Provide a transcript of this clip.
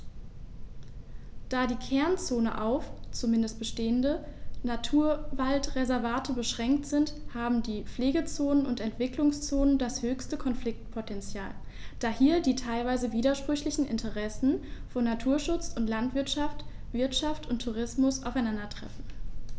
Da die Kernzonen auf – zumeist bestehende – Naturwaldreservate beschränkt sind, haben die Pflegezonen und Entwicklungszonen das höchste Konfliktpotential, da hier die teilweise widersprüchlichen Interessen von Naturschutz und Landwirtschaft, Wirtschaft und Tourismus aufeinandertreffen.